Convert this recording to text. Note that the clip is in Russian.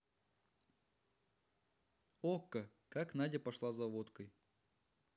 okko как надя пошла за водкой